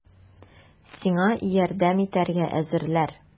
Сиңа ярдәм итәргә әзерләр!